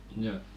no